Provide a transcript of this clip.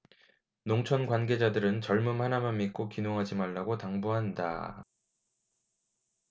농촌 관계자들은 젊음 하나만 믿고 귀농하지 말라고 당부한다